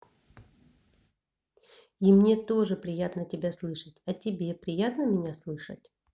и мне тоже приятно тебя слышать а тебе приятно меня слышать